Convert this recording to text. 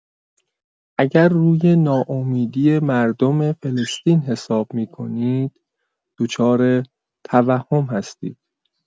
اگر روی ناامیدی مردم فلسطین حساب می‌کنید، دچار توهم هستید.